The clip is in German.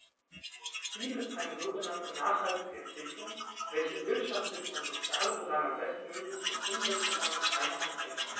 Ziel ist eine sogenannte nachhaltige Entwicklung, welche wirtschaftliche und soziale Belange bestmöglich mit Umweltbelangen in Einklang bringt.